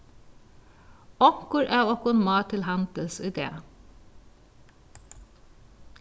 onkur av okkum má til handils í dag